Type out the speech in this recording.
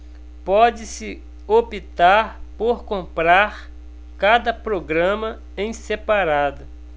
pode-se optar por comprar cada programa em separado